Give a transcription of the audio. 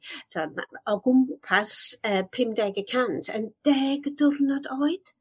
t'wo ma- a- o gwmpas yy pum deg y cant yn deg diwrnod oed.